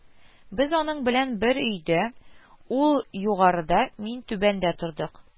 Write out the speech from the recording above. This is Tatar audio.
Без аның белән бер өйдә: ул югарыда, мин түбәндә тордык